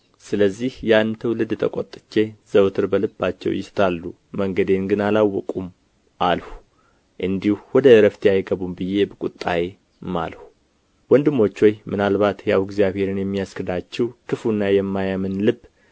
ስለዚህ ያን ትውልድ ተቆጥቼ ዘወትር በልባቸው ይስታሉ መንገዴን ግን አላወቁም አልሁ እንዲሁ ወደ ዕረፍቴ አይገቡም ብዬ በቍጣዬ ማልሁ ወንድሞች ሆይ ምናልባት ሕያው እግዚአብሔርን የሚያስክዳችሁ ክፉና የማያምን ልብ